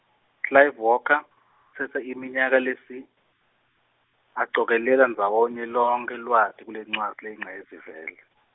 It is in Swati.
Clive Walker utsetse iminyaka lesi, acokelela ndzawonye lonkhe lwati kulencwadzi leyingcayizivela.